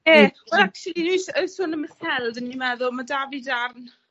Ie, wel actually sôn am y seld o'n i meddwl ma' 'da fi darn